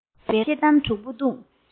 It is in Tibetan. སྦི རག ཤེལ དམ དྲུག པོ བཏུངས